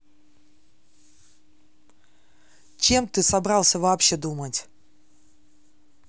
чем ты собрался вообще думать